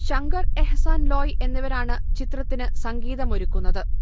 ശങ്കർ എഹ്സാൻ ലോയ് എന്നിവരാണ് ചിത്രത്തിന് സംഗീതമൊരുക്കുന്നത്